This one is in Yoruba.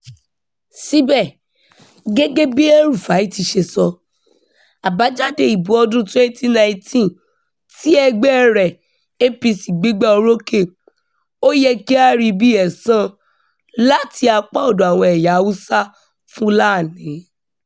Síbẹ̀, gẹ́gẹ́ bí Bashir El-Rufai ti ṣe sọ, àbájáde ìbò ọdún-un 2019 tí ẹgbẹ́ẹ rẹ̀, APC, gbégbà-orókè. Ó yẹ kí a rí i bíi “ẹ̀san” láti apá ọ̀dọ̀ àwọn ẹ̀yà Hausa, Fulani.